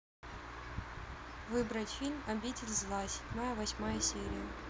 выбрать фильм обитель зла седьмая восьмая серия